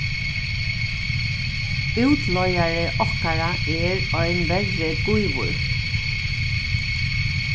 útleigari okkara er ein verri gívur